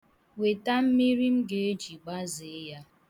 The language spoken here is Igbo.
Weta mmiri m ga-eji gbazee ya.